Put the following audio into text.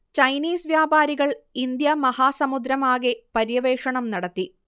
Chinese വ്യാപാരികൾ ഇന്ത്യാമഹാസമുദ്രം ആകെ പര്യവേഷണം നടത്തി